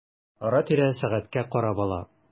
Ара-тирә сәгатькә карап ала.